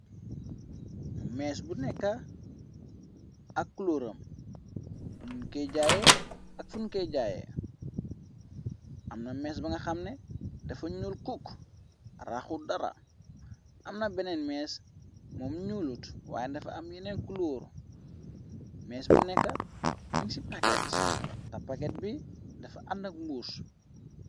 Mees bu nekka ak clóoram run key jaaye ak fun key jaaye amna mees ba nga xamne dafa ñuul cook raxu dara amna beneen mees moo m ñuulut waaye dafa am yeneen culóor mees bu nekka miñ ci paket ta paket bi dafa àndak mbuus.